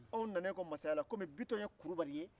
anw nalen kɔ mansaya la komi bitɔn ye kurubali ye